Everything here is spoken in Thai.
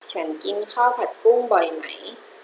ฉันกินข้าวผัดกุ้งบ่อยไหม